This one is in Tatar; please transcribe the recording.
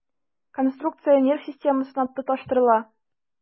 Конструкция нерв системасына тоташтырыла.